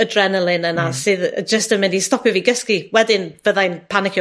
adrenalin yna... Hmm. ...sydd jyst yn mynd i stopio fi gysgu wedyn, fyddai'n panicio